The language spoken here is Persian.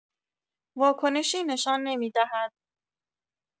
واکنشی نشان نمی‌دهد.